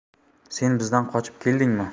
sen bizdan qochib keldingmi